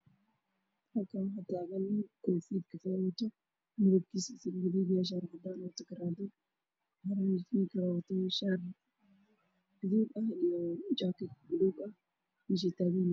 Meeshaan waxaa joogo wiil koofi gaduud wato, shaar gaduud ah iyo jaakad buluug ah meesha ay taagan yihiin waa cadaan.